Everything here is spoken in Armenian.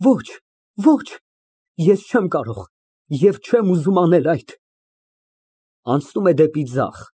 Ոչ, ոչ, ես չեմ կարող և չեմ ուզում անել այդ։ (Անցնում է դեպի ձախ)։